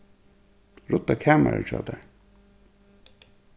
rudda kamarið hjá tær